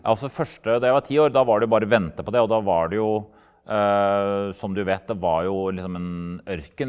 altså første da jeg var ti år da var det bare vente på det og da var det jo som du vet det var jo liksom en ørken.